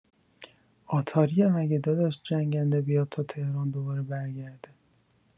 آتاریه مگه داداش جنگنده بیاد تا تهران دوباره برگرده